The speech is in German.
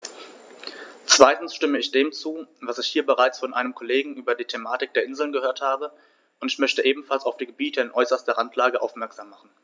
Zweitens stimme ich dem zu, was ich hier bereits von einem Kollegen über die Thematik der Inseln gehört habe, und ich möchte ebenfalls auf die Gebiete in äußerster Randlage aufmerksam machen.